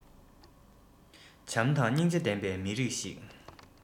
བྱམས དང སྙིང རྗེ ལྡན པའི མི རིགས ཤིག